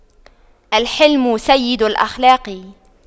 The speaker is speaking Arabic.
الحِلْمُ سيد الأخلاق